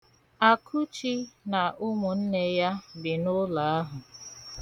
Akụchi na ụmụnne ya bi n'ụlọ ahụ.